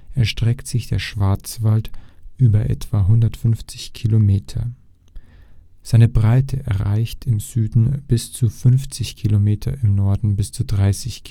erstreckt sich der Schwarzwald über etwa 150 km, seine Breite erreicht im Süden bis zu 50 km, im Norden bis zu 30 km